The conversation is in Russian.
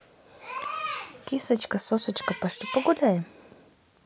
кисочка сосочка пошли погуляем